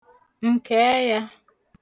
ǹkə̀ẹyā